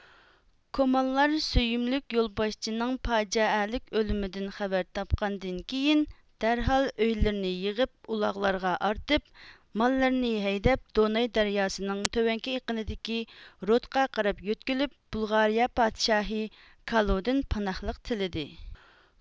كومانلار سۆيۈملۈك يولباشچىنىڭ پاجئەلىك ئۆلۈمىدىن خەۋەر تاپقاندىن كېيىن دەرھال ئۆيلىرىنى يىغىشىپ ئۇلاغلارغا ئارتىپ ماللىرىنى ھەيدەپ دوناي دەرياسىنىڭ تۆۋەنكى ئېقىنىدىكى رودقا قاراپ يۆتكىلىپ بۇلغارىيە پادىشاھى كالۇدىن پاناھلىق تىلىدى